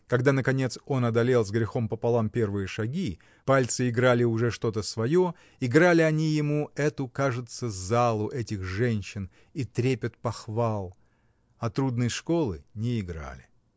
Когда наконец он одолел, с грехом пополам, первые шаги, пальцы играли уже что-то свое, играли они ему эту, кажется, залу, этих женщин, и трепет похвал, — а трудной школы не играли.